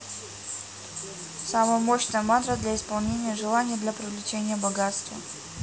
самая мощная мантра для исполнения желаний для привлечения богатства